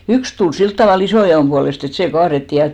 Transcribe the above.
yksi tuli sillä tavalla isojaon puolesta että se kaadettiin ja